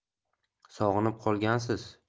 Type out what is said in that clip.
sog'inib qolgansiz